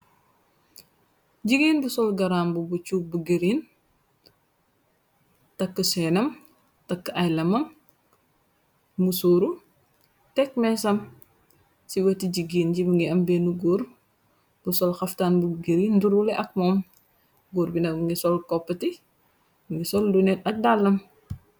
Gigéen bu sol garaambubu chub bu green, takku sehnam, takku ay lamam, musoru, tekk meecham, ci weti jigeen ji mungi am benue gorre bu sol xaftaan bu green nduroleh ak mom, gorre bi nak mungi sol koppati, mungi sol lunnet ak daalam.